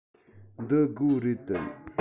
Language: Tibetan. འདི སྒོ རེད དམ